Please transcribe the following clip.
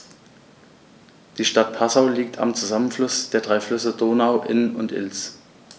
Die Stadt Passau liegt am Zusammenfluss der drei Flüsse Donau, Inn und Ilz.